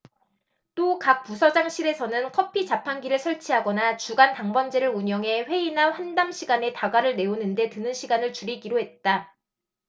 또 각 부서장실에는 커피자판기를 설치하거나 주간 당번제를 운영해 회의나 환담 시간에 다과를 내오는 데 드는 시간을 줄이기로 했다